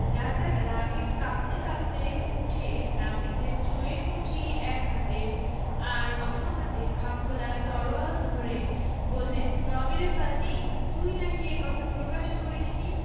রাজা রাগে কাঁপতে কাঁপতে উঠে নাপিতের চুলের মুঠি এক হাতে আর অন্য হাতে খাপ খোলা তরোয়াল ধরে বললেন– তবে রে পাজি তুই নাকি এ কথা প্রকাশ করিসনি